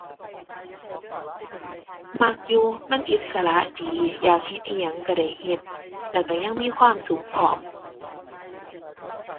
มักอยู่ มันอิสระดี อยากเฮ็ดอิหยังก็ได้เฮ็ด แล้วก็ยังมีความสุขพร้อม